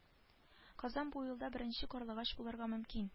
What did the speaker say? Казан бу юлда беренче карлыгач булырга мөмкин